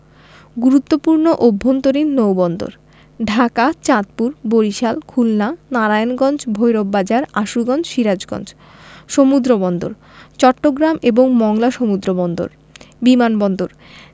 গুরুত্বপূর্ণ অভ্যন্তরীণ নৌবন্দরঃ ঢাকা চাঁদপুর বরিশাল খুলনা নারায়ণগঞ্জ ভৈরব বাজার আশুগঞ্জ সিরাজগঞ্জ সমুদ্রবন্দরঃ চট্টগ্রাম এবং মংলা সমুদ্রবন্দর বিমান বন্দর